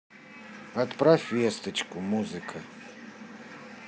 отправь весточку музыка